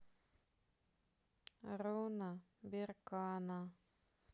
руна беркана